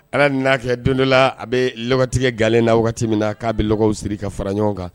Ala n'a kɛ don dɔ la a bɛ latigɛ nkalon na min na k'a bɛkɛlaw siri ka fara ɲɔgɔn kan